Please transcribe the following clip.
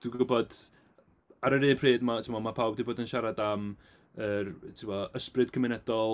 Dwi'n gwbod, ar yr un pryd ma' timod ma' pawb 'di bod yn siarad am yr timod ysbryd cymunedol.